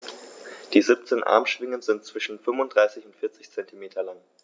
Die 17 Armschwingen sind zwischen 35 und 40 cm lang.